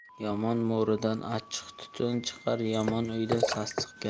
yomon mo'ridan achchiq tutun chiqar yomon uydan sassiq gap